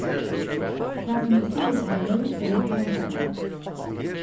tað sum eg sigi tær nú er eitt loyndarmál